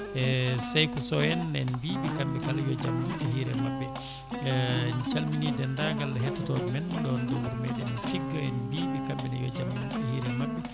e Saykou Sow en en mbiɓe kamɓe kala yo jaam hiire mabɓe en calmini dendagal hettotoɓe men ɗon ɗo wuuro meɗen Figga en mbiɓe kamɓene yo jaam hiire mabɓe